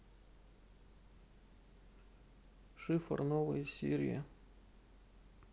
шифр новые серии